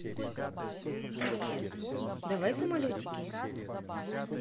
давай самолетики